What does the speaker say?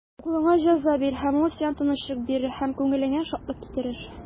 Углыңа җәза бир, һәм ул сиңа тынычлык бирер, һәм күңелеңә шатлык китерер.